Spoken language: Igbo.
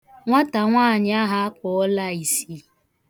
Nwata nwaanyị ahụ akpụọla isi